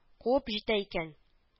Куып җитә икән